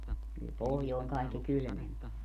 kyllä pohjoinen kaikkein kylmempi on